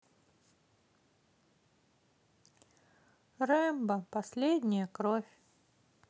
рембо последняя кровь